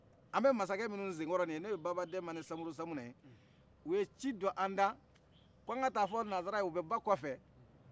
an bɛ masakɛ minu sen kɔrɔ n' oye baba denba ni samuru samunɛ ye u ye ci don an dan k'an ka taa fɔ nazaraye u bɛ bakɔfɛ